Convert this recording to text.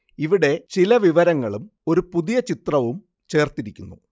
ഇവിടെ ചില വിവരങ്ങളും ഒരു പുതിയ ചിത്രവും ചേര്‍ത്തിരിക്കുന്നു